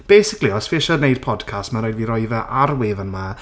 Basically os fi isie wneud podcast ma' rhaid i fi roi fe ar wefan 'ma...